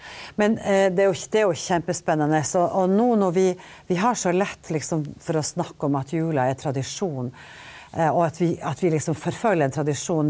men det er jo det er jo kjempespennende, og og nå når vi vi har så lett liksom for å snakke om at jula er tradisjon og at vi at vi liksom forfølger en tradisjon.